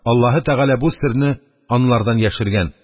Аллаһе Тәгалә бу серне анлардан яшергән.